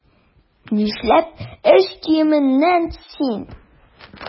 Нишләп эш киеменнән син?